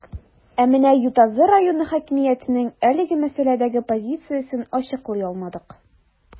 Ә менә Ютазы районы хакимиятенең әлеге мәсьәләдәге позициясен ачыклый алмадык.